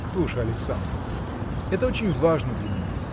Слушай, Александр, это очень важно для меня